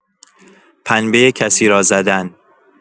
پنبه کسی را زدن